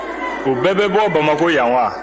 u bɛɛ bɛ bɔ bamakɔ yan wa